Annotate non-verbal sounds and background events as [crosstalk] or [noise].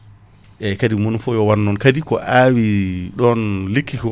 [noise] eyyi kaadi mono foof yo wat non kaadi ko awi ɗon lekki ko